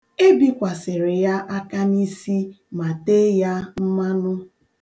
E bikwasịrị ya aka n'isi ma tee ya mmanụ.